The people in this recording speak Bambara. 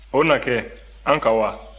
o na kɛ an ka wa